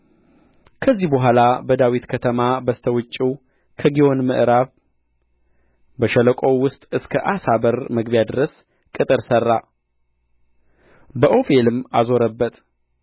ከዚህ በኋላ በዳዊት ከተማ በስተ ውጭው ከግዮን ምዕራብ በሸለቆው ውስጥ እስከ ዓሳ በር መግቢያ ድረስ ቅጥር ሠራ በዖፌልም አዞረበት